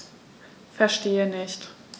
Verstehe nicht.